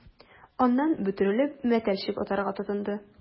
Аннан, бөтерелеп, мәтәлчек атарга тотынды...